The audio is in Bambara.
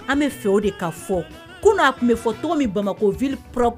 An bɛ fɛ fɔ koa tun bɛ fɔ tɔgɔ min bamakɔ